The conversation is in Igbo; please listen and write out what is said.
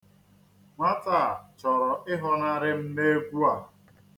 Nwata a chọrọ ịhụnarị m n'egwu a.